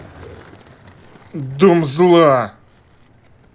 dom зла